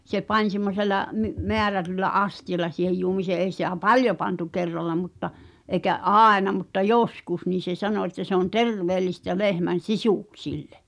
se pani semmoisella - määrätyllä astialla siihen juomiseen ei sitä paljon pantu kerralla mutta eikä aina mutta joskus niin se sanoi että se on terveellistä lehmän sisuksille